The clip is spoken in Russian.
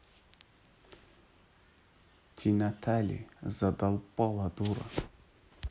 ты натали задолбала дура